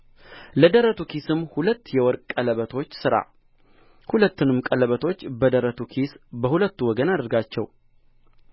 ለደረቱ ኪስም ሁለት የወርቅ ቀለበቶች ሥራ ሁለቱንም ቀለበቶች በደረቱ ኪስ በሁለቱ ወገን አድርጋቸው